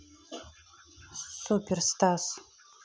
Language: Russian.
супер стас